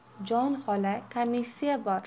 jon xola komissiya bor